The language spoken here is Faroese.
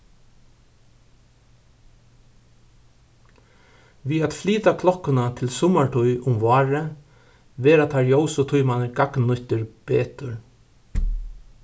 við at flyta klokkuna til summartíð um várið verða teir ljósu tímarnir gagnnýttir betur